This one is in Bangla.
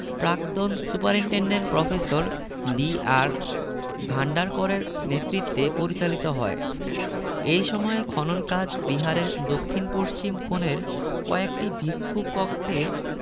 প্রাক্তন সুপারিনটেনডেন্ট প্রফেসর ডি.আর ভান্ডারকরের নেতৃত্বে পরিচালিত হয় এ সময়ে খনন কাজ বিহারের দক্ষিণ পশ্চিম কোণের কয়েকটি ভিক্ষু কক্ষে